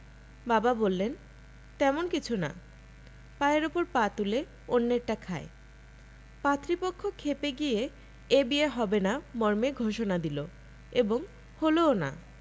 বাবা বললেন তেমন কিছু না পায়ের ওপর পা তুলে অন্যেরটা খায় পাত্রীপক্ষ খেপে গিয়ে এ বিয়ে হবে না মর্মে ঘোষণা দিল এবং হলোও না